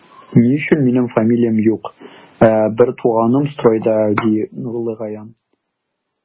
Ни өчен минем фамилиям юк, ә бертуганым стройда, ди Нурлыгаян.